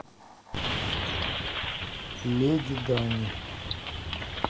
леди дани